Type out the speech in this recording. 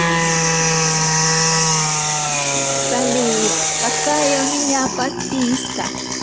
салют какая у меня подписка